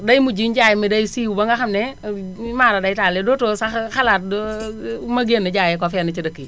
day mujj njaay mi day siiw ba nga xam ne maaradëytaali dootoo sax xalaat ma génn jaayi ko fenn ci dëkk yi